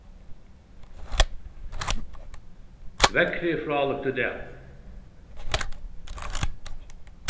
veðrið er frálíkt í dag